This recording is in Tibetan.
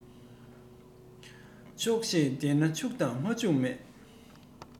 ཆོག ཤེས ལྡན ན ཕྱུག དང མ ཕྱུག མེད